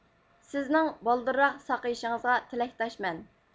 سىزنىڭ بالدۇرراق ساقىيىشىڭىزغا تىلەكداشمەن